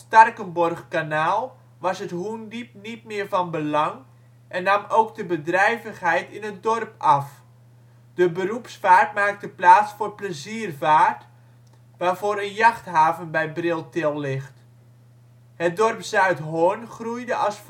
Starkenborghkanaal was het Hoendiep niet meer van belang en nam ook de bedrijvigheid in het dorp af. De beroepsvaart maakte plaats voor de pleziervaart, waarvoor een jachthaven bij Briltil ligt. Het dorp Zuidhorn groeide als forensenplaats